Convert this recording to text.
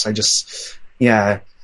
sai'n jyst ie.